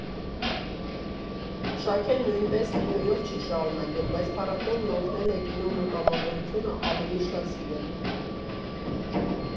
Շաքեն նույնպես կինոյով չի շարունակել, բայց փառատոնն օգնել է կինոն ու կամավորությունն ավելի շատ սիրել։